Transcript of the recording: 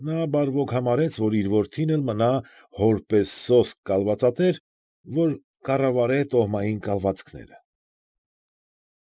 Նա բարվոք համարեց, որ իր որդին էլ մնա որպես սոսկ կալվածատեր ու կառավարե տոհմային կալվածքները։ ֊